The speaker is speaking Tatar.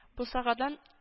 Бусагадан